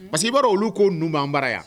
Parce que b'a olu ko nun b'an baara yan